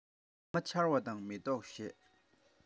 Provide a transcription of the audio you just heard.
ཁ གཏད བོད སྐྱོར ཞིང ཆེན དང གྲོང ཁྱེར བཅས བཅུ དྲུག དང བོད དང